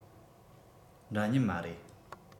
འདྲ མཉམ མ རེད